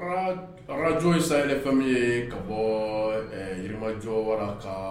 radio Sahel IFM ka bɔ yirimajɔ wara ka